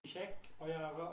eshak oyog'i ostini ko'zlar